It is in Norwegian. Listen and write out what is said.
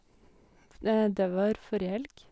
f Det var forrige helg.